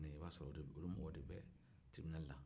i b'a sɔrɔ dɛ olu mɔgɔw de bɛ tiribinali la